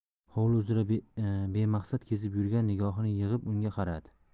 hovli uzra bemaqsad kezib yurgan nigohini yig'ib unga qaradi